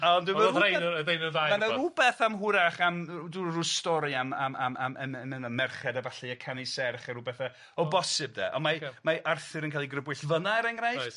Ond dwi'n meddwl ma' rein yy . Ma' 'na rwbeth am hwrach am rw- dw- rw stori am am am am yym yym y merched a ballu a canu serch a ryw bethe o bosib de. On' mae... Ocê. mae Arthur yn cael ei grybwyll fyna er enghraifft. Reit.